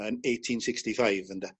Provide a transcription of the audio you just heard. yn eighteen sixty five ynde